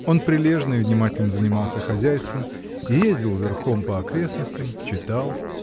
он прилежно и внимательно занимался хозяйством, ездил верхом по окрестностям, читал.